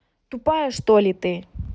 тупая что ли ты